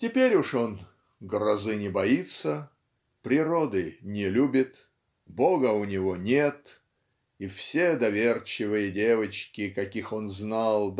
Теперь уж он "грозы не боится природы не любит Бога у него нет и все доверчивые девочки каких он знал